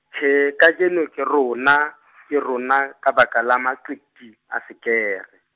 tjhee kajeno ke rona, ke rona, ka baka la maqiti, a Sekere.